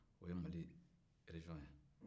o ye mali erezon ye